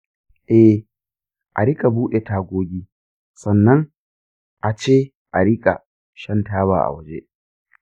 eh, a riƙa buɗe tagogi, sannan a ce a riƙa shan taba a waje.